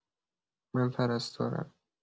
من پرستارم.